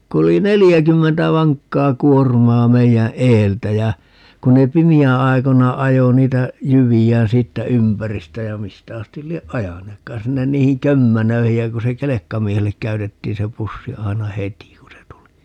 kun oli neljäkymmentä vankkaa kuormaa meidän edeltä ja kun ne pimeän aikoina ajoi niitä jyviään siitä ympäristä ja mistä asti lie ajaneetkaan sinne niihin kömmänöihin ja kun se kelkkamiehelle käytettiin se pussi aina heti kun se tuli